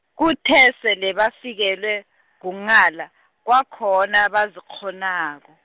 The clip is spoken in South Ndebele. kuthe sele bafikelwa, kunghala, kwakhona abazikghonako.